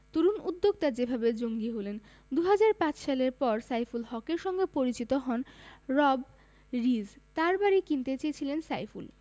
তরুণ উদ্যোক্তা যেভাবে জঙ্গি হলেন ২০০৫ সালের পর সাইফুল হকের সঙ্গে পরিচিত হন রব রিজ তাঁর বাড়ি কিনতে চেয়েছিলেন সাইফুল